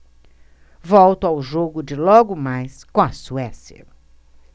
volto ao jogo de logo mais com a suécia